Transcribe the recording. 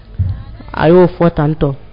A y'o fɔ tan tɔ